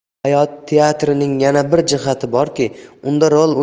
hayot teatrining yana bir jihati borki unda